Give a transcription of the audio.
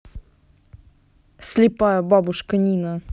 слепая бабушка нина